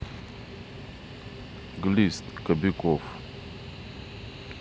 глист кобяков